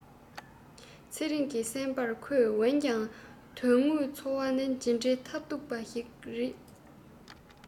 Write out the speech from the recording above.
ཚེ རིང གི བསམ པར ཁོས འོན ཀྱང དོན དངོས འཚོ བ ནི ཇི འདྲའི ཐབས སྡུག པ ཞིག རེད